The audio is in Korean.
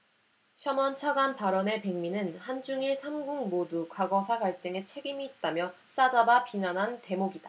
셔먼 차관 발언의 백미는 한 중 일 삼 국 모두 과거사 갈등에 책임이 있다며 싸잡아 비난한 대목이다